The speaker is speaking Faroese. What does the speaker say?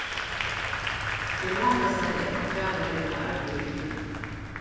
er nakrastaðni eg kann fara har eg kann arbeiða í frið